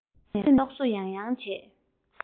སེམས ནས རྟོག བཟོ ཡང ཡང བྱས